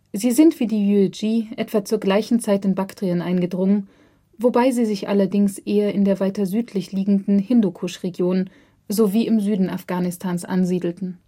Sie sind wie die Yuezhi etwa zur gleichen Zeit in Baktrien eingedrungen, wobei sie sich allerdings eher in der weiter südlich liegenden Hindukusch-Region sowie im Süden Afghanistans ansiedelten